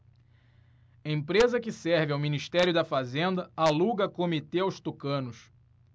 empresa que serve ao ministério da fazenda aluga comitê aos tucanos